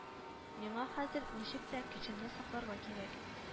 Миңа хәзер ничек тә көчемне сакларга кирәк